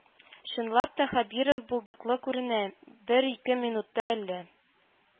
Чынлап та Хәбиров булдыклы күренә, бер-ике минутта әллә